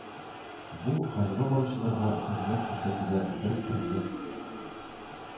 Бу хаҗга баручыларга хезмәт күрсәтүдә бер төрле